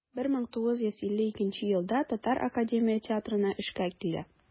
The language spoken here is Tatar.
1952 елда татар академия театрына эшкә килә.